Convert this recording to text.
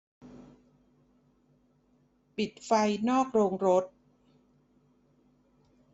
ปิดไฟนอกโรงรถ